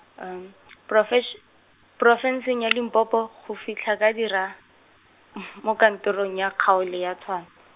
Porofes-, Porofensing ya Limpopo, go fitlha ke dira , mo kantorong ya kgaolo ya Tshwane.